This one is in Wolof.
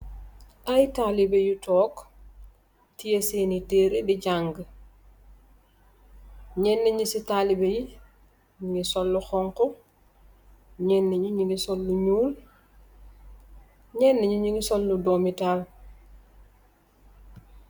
Ay talibeh yu tóóg teyeh sèèni teré di janga, ñenni ci talibeh yi ñugii sol lu xonxu ñenni ñu ngi sol lu ñuul , ñenni ñi ñgi sol lu doomi tahal.